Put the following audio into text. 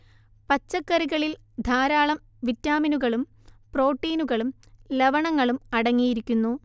പച്ചക്കറികളിൽ ധാരാളം വിറ്റാമിനുകളും പ്രോട്ടീനുകളും ലവണങ്ങളും അടങ്ങിയിരിക്കുന്നു